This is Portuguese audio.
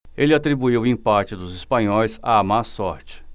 ele atribuiu o empate dos espanhóis à má sorte